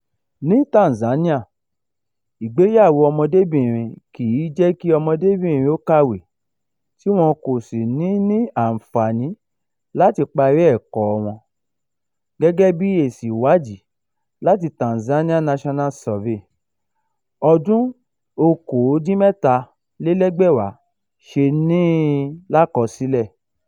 Ní Tanzania, ìgbéyàwó ọmọdébìnrin kì í jẹ kí ọmọdébìnrin ó kàwé tí wọn kò sì ní àǹfààní láti parí ẹ̀kọ́ọ wọn, gẹ́gẹ́ bí èsì ìwádìí láti Tanzania National Survey, 2017 ṣe ní i lákọsílẹ̀.